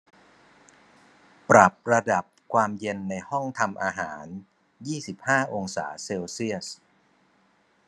ปรับระดับความเย็นในห้องทำอาหารยี่สิบห้าองศาเซลเซียส